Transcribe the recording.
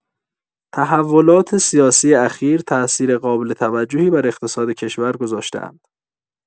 تحولات سیاسی اخیر تاثیر قابل‌توجهی بر اقتصاد کشور گذاشته‌اند.